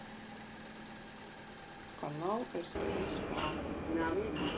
канал стс лав